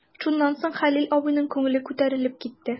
Шуннан соң Хәлил абыйның күңеле күтәрелеп китә.